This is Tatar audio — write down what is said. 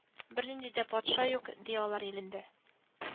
Бер нинди дә патша юк ди алар илендә